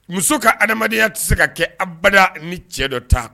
Muso ka adamadenya tɛ se ka kɛ abada ni cɛ dɔ ta